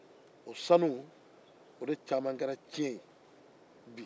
o sanu caman kɛra cɛn ye